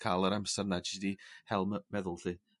ca'l yr amser 'ne jyst i hel m- feddwl lly.